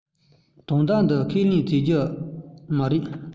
དོན དག འདི ཁས ལེན བྱེད ཐུབ ཀྱི མ རེད